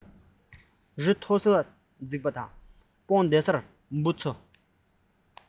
རི མཐོ སར འཛེགས སྤང བདེ སར འབུ འཚོལ